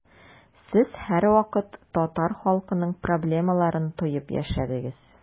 Сез һәрвакыт татар халкының проблемаларын тоеп яшәдегез.